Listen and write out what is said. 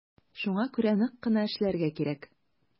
Шуңа күрә нык кына эшләргә кирәк.